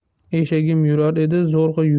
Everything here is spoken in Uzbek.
eshagim yurar edi zo'rg'a